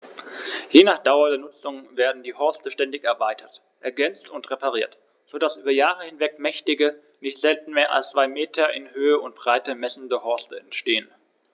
Je nach Dauer der Nutzung werden die Horste ständig erweitert, ergänzt und repariert, so dass über Jahre hinweg mächtige, nicht selten mehr als zwei Meter in Höhe und Breite messende Horste entstehen.